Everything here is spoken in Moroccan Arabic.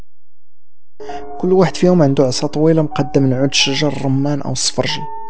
كل واحد يوم عنده طويله مقدمه من عند شجر الرمان او السفرجل